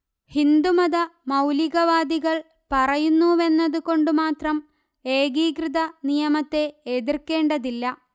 ഹിന്ദുമത മൌലിക വാദികൾ പറയുന്നുവെന്നതു കൊണ്ടു മാത്രം ഏകീകൃത നിയമത്തെ എതിർക്കേണ്ടതില്ല